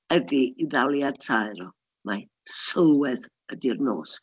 Ydy ei ddaliad taer o mai sylwedd ydy'r nos.